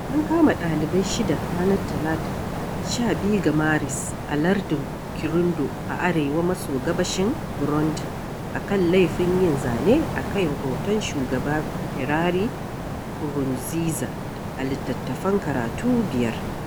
An kama ɗalibai shida ranar Talata, 12 ga Maris a lardin Kirundo a arewa maso gabashin Burundi a kan laifin yin zane a kan hoton shugaba Pierre Nkurunziza a littattafan karatu biyar.